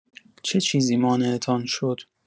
چه چیزی مانعتان شد؟